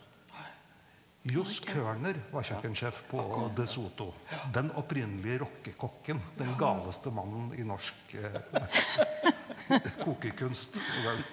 Jos Kerner var kjøkkensjef på De Soto, den opprinnelige rockekokken, den galeste mannen i norsk kokekunst .